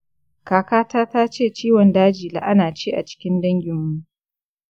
kakata ta ce ciwon daji la’ana ce a cikin danginmu.